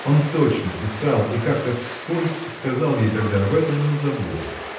Он точно писал и как-то вскользь сказал ей тогда об этом, но забыл